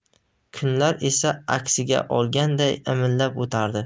kunlar esa aksiga olganday imillab o'tardi